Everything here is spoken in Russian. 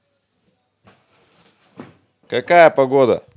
какая погода